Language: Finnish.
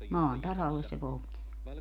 maan tasalle se poltti sen